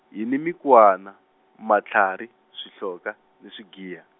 hi ni mikwana, matlhari, swihloka, ni swigiya.